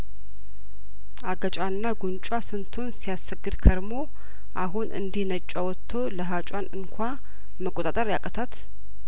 አገጯና ጉንጯ ስንቱን ሲያሰግድ ከርሞ አሁን እንዲህ ነጯ ወቶ ለሀጯን እንኳ መቆጣጠር ያቅታት